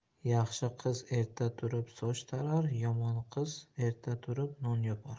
yaxshi qiz erta turib soch tarar yomon qiz erta turib non so'rar